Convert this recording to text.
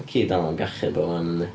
Mae'r ci dal yn cachu yn bobman yndi?